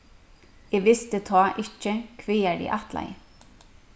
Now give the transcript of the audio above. eg visti tá ikki hvagar eg ætlaði